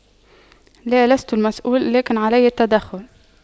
لا لست المسؤول لكن على التدخل